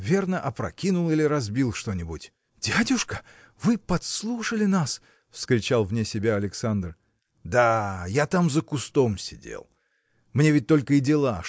верно, опрокинул или разбил что-нибудь. – Дядюшка! вы подслушали нас! – вскричал вне себя Александр. – Да, я там за кустом сидел. Мне ведь только и дела